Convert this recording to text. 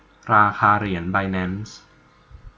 ราคาเหรียญไบแนนซ์